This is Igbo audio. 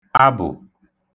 abụ̀